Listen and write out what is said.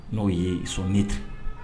N'o ye sonɔni ten